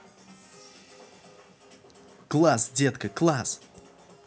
класс детка класс